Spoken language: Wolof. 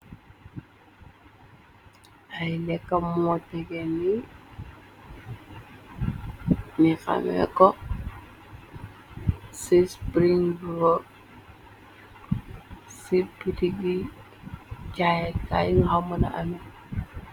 ay lekka moo tege ni xame ko ci sbringrok ci tuti gi jaayekaay nu xaw mëna amee